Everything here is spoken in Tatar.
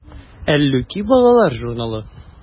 “әллүки” балалар журналы.